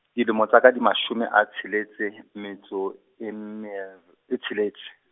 dilomo tsa ka di mashome a tsheletseng, metso e me- , e tsheletse.